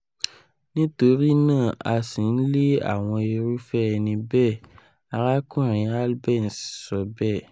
Nitori naa a ṣi n le awọn irufẹ ẹni bẹẹ,” Arakunrin Albence sọ bẹẹ.